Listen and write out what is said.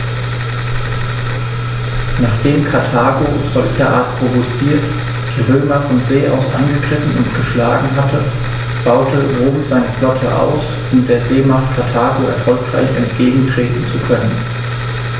Nachdem Karthago, solcherart provoziert, die Römer von See aus angegriffen und geschlagen hatte, baute Rom seine Flotte aus, um der Seemacht Karthago erfolgreich entgegentreten zu können.